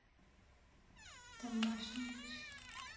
домашний блять